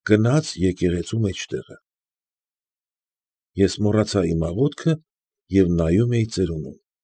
Գնաց եկեղեցու մեջտեղը։ Ես մոռացա իմ աղոթքը և նայում էի ծերունուն։